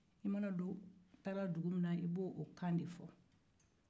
n'i taara dugu min na i b'o de kan fɔ